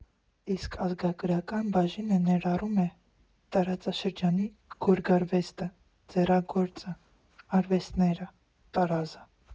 Իսկ ազգագրական բաժինը ներառում է տարածաշրջանի գորգարվեստը, ձեռագործը, արհեստները, տարազը։